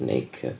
Yn acre.